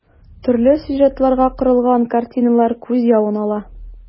Төрле сюжетларга корылган картиналар күз явын ала.